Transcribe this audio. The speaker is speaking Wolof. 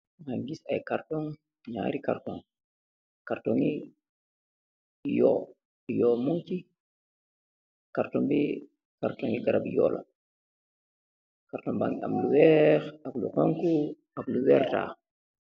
Mangi giss naari karton. Karton bii, karton garabi Yoo la. Karton bangi amm lu weex, lu xonq ,ak lu ñuul